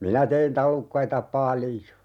minä tein tallukkaita paljon